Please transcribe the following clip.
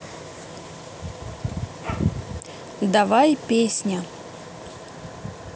давай песня